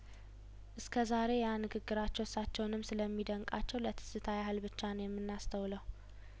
እስከዛሬ ያንግግራቸው እሳቸውንም ስለሚ ደንቃቸው ለትዝታ ያህል ብቻ ነው የምናስ ተውለው